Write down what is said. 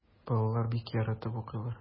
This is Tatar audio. Балалар бик яратып укыйлар.